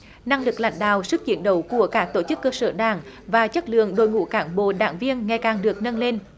năng lực lãnh đạo sức chiến đấu của cả tổ chức cơ sở đảng và chất lượng đội ngũ cán bộ đảng viên ngày càng được nâng lên